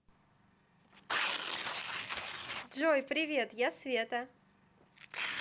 джой привет я света